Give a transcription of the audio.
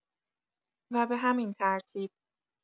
و به همین ترتیب